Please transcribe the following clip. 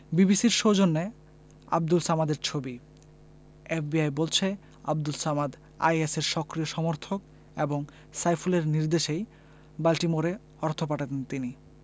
বিবিসির সৌজন্যে আবদুল সামাদের ছবি এফবিআই বলছে আবদুল সামাদ আইএসের সক্রিয় সমর্থক এবং সাইফুলের নির্দেশেই বাল্টিমোরে অর্থ পাঠাতেন তিনি